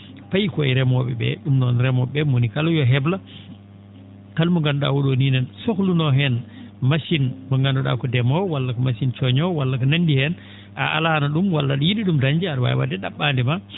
?i payi koye remoo?e ?ee ?uum noon remoo?e ?e mo woni kala yo heblo kala mo ngandu?aa o?o ni ina sohlunoo heen machine mo nganndu?aa ko ndemoowo walla ko machine coñoowo walla ko nanndi heen a alaano ?um walla a?a yi?i ?um dañde a?a waawi wa?de ?a??aa ndema